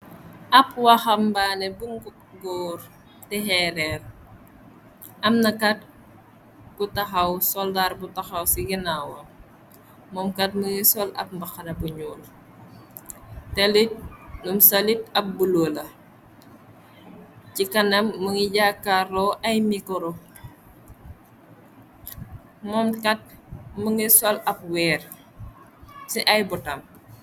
ab waxambaane bu ngu góor te xeereer am na kat ku taxaw soldaar bu taxaw ci ginaawao moomkat më ngiy sol ab mbaxana bu ñuul te lit num sa lit ab bulo la ci kanam mëngi jaakarroo ay mikoro moomkat më ngiy sol ab weer ci ay butam